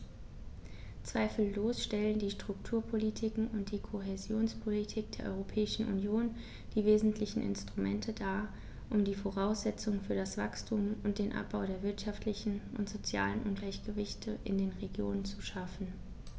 Zweifellos stellen die Strukturpolitiken und die Kohäsionspolitik der Europäischen Union die wesentlichen Instrumente dar, um die Voraussetzungen für das Wachstum und den Abbau der wirtschaftlichen und sozialen Ungleichgewichte in den Regionen zu schaffen.